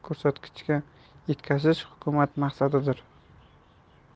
ko'rsatkichga yetkazish hukumat maqsadidir